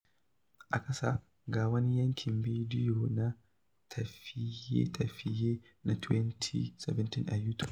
A ƙasa ga wani yankin bidiyo na tafiye-tafiyen na 2017 a Youtube: